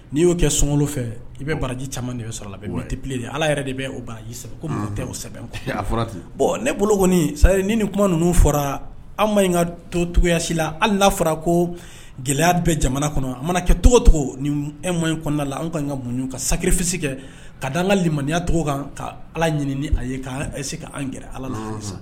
N'i y'o kɛ sun fɛ i bɛ baraji caman de bɛ sɔrɔ tɛpi ala yɛrɛ de bɛji tɛ sɛbɛn bɔn ne bolo kɔni sari ni ni kuma ninnu fɔra an ma ka to cogoyayasi la hali n'a fɔra ko gɛlɛya bɛ jamana kɔnɔ a mana kɛ cogocogo ni e ma kɔnɔna la an ka ka munɲ ka sari fisi kɛ ka' an ka limaniya tɔgɔ kan ka ala ɲini a ye'se se kaan g ala